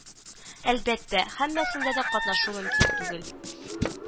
Әлбәттә, һәммәсендә дә катнашу мөмкин түгел